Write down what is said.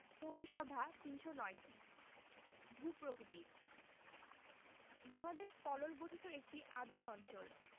পৌরসভা ৩০৯টি ভূ প্রকৃতিঃ বাংলদেশ পলল গঠিত একটি আর্দ্র অঞ্চল